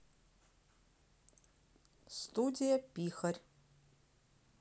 студия пихарь